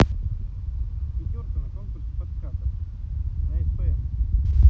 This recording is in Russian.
пятерка на конкурсе подкатов на спм